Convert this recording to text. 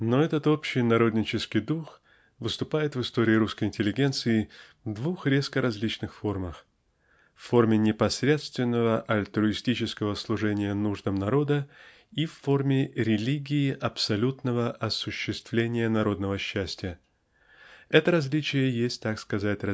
Но этот общий народнический дух выступает в истории русской интеллигенции в двух резко различных формах--в форме непосредственного альтруистического служения нуждам народа ив форме религии абсолютного осуществления народного счастья. Это различие есть так сказать